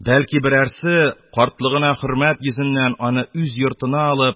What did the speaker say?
Бәлки, берәрсе картлыгына хөрмәт йөзеннән, аны үз йортына алып,